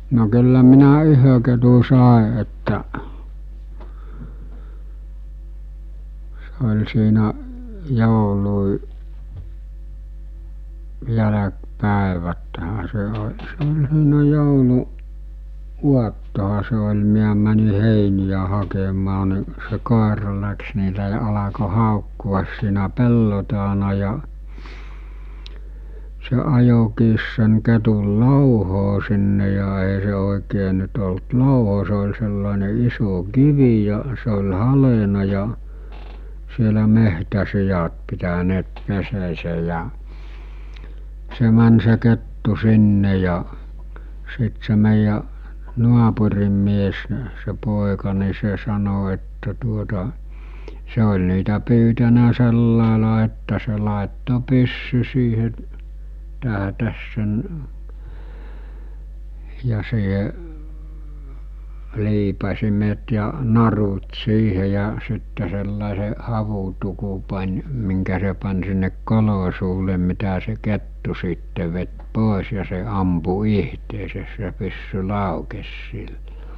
no kyllä minä yhden ketun sain että se oli siinä’ joulun jälkipäiväthän se - se oli siinä - jouluaattonahan se oli minä meni heiniä hakemaan niin se koira lähti niin se alkoi haukkua siinä pellon takana ja se ajoikin sen ketun louhoon sinne ja ei se oikein nyt ollut louho se oli sellainen iso kivi ja se oli haljennut ja siellä metsäsiat pitäneet pesäänsä ja se meni se kettu sinne ja sitten se meidän naapurin mies niin se poika niin se sanoi että tuota se oli niitä pyytänyt sillä lailla että se laittoi pyssyn siihen’ tähtäsi sen ja siihen liipasimet ja narut siihen ja sitten sellaisen havutukun pani minkä se pani sinne kolon suulle mitä se kettu sitten veti pois ja se ampui itseään se pyssy laukesi silloin